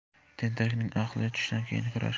tentakning aqli tushdan keyin kirar